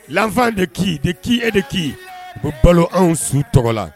L'enfant de ki? De qui et de qui ? Ko balo anw su tɔgɔ la.